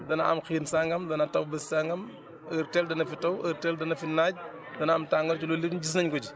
dana am xiin sangam dana am xiin sangam dana taw bés sangam heure telle dana fi taw heure telle dana fi naaj dana am tàngoor te loolu yëpp gis nañ ko ci